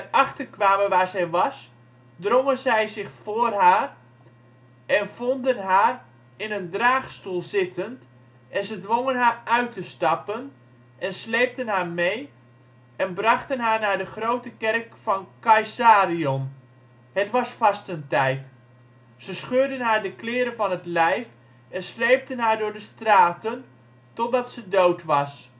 achterkwamen, waar zij was, drongen zij zich voor haar en vonden haar in een draagstoel zittend; en ze dwongen haar uit te stappen en sleepten haar mee en brachten haar naar de grote kerk van Caesarion. Het was vastentijd. Ze scheurden haar de kleren van het lijf en sleepten haar door de straten, totdat ze dood was